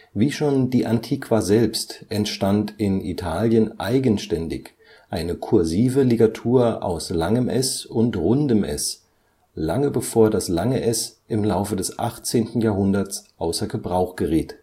Wie schon die Antiqua selbst, entstand in Italien eigenständig eine kursive Ligatur aus langem ſ und rundem s, lange bevor das lange ſ im Laufe des 18. Jahrhunderts außer Gebrauch geriet